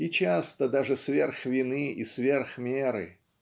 и часто даже сверх вины и сверх меры.